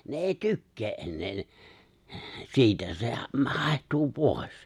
ne ei tykkää enää ne siitä se - haihtuu pois